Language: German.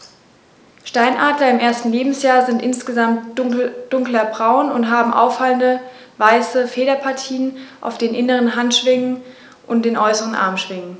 Steinadler im ersten Lebensjahr sind insgesamt dunkler braun und haben auffallende, weiße Federpartien auf den inneren Handschwingen und den äußeren Armschwingen.